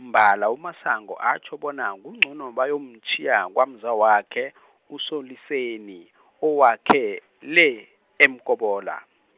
mbala uMasango atjho bona, kuncono bayomtjhiya kwamzawakhe , uSoLiseni, owakhe le, eMkobola.